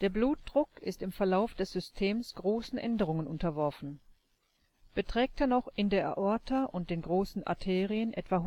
Blutdruck ist im Verlauf des Systems großen Änderungen unterworfen. Beträgt er noch in der Aorta und den großen Arterien etwa